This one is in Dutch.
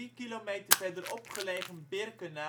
kilometer verderop gelegen Birkenau